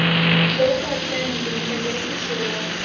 окко отчаянные домохозяйки сериал